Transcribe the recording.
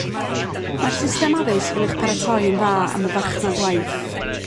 Ma'r system addysg yn eich paratoi yn dda am y farchnad waith.